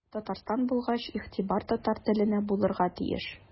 Татарстан булгач игътибар татар теленә булырга тиеш.